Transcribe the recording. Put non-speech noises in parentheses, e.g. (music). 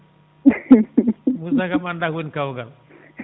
(laughs) Moussa kam anda kowoni kawgal